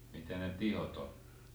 mitä ne tihot on